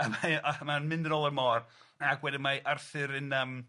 A mae e a'ch a mae'n mynd yn ôl i'r môr ac wedyn mae Arthur yn yym